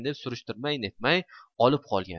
deb surishtirmay netmay olib qolgan